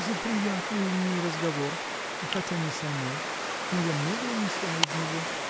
— За приятный, умный разговор — хотя не со мной. но я много унесла из него.